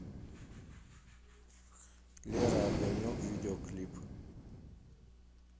лера огонек видеоклип